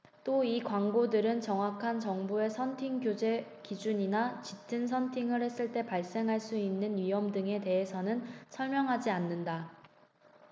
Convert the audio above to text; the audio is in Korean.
또 이 광고들은 정확한 정부의 선팅 규제 기준이나 짙은 선팅을 했을 때 발생할 수 있는 위험 등에 대해서는 설명하지 않는다